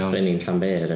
Brenin Llanber ia.